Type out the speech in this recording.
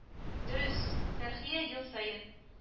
Дөрес, Фәрхия ел саен